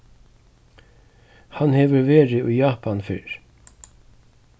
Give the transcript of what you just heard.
hann hevur verið í japan fyrr